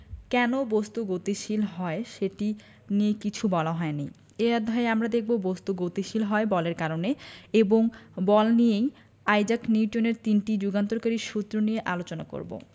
কেন বস্তু গতিশীল হয় সেটি নিয়ে কিছু বলা হয়নি এই অধ্যায়ে আমরা দেখব বস্তু গতিশীল হয় বলের কারণে এবং বল নিয়ে আইজাক নিউটনের তিনটি যুগান্তকারী সূত্র নিয়ে আলোচনা করব